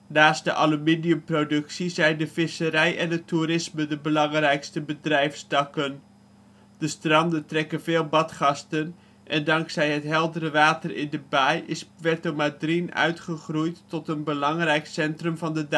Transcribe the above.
Naast de aluminiumproductie zijn de visserij en het toerisme de belangrijkste bedrijfstakken. De stranden trekken veel badgasten, en dankzij het heldere water in de baai is Puerto Madryn uitgegroeid tot een belangrijk centrum van de